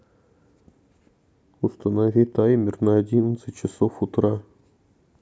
установи таймер на одиннадцать часов утра